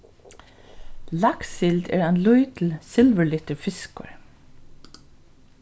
lakssild er ein lítil silvurlittur fiskur